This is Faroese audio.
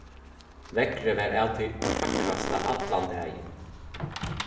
veðrið var av tí fagrasta allan dagin